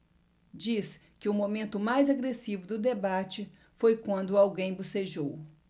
diz que o momento mais agressivo do debate foi quando alguém bocejou